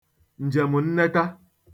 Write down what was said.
ǹjèm̀nneta